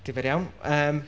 Difyr iawn.